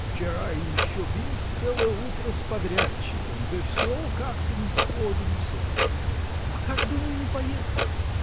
Вчера еще бился целое утро с подрядчиком, да все как-то не сходимся. а как, думаю, не поехать?.